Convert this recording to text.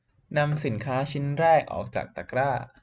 นำสินค้าชิ้นแรกออกจากตะกร้า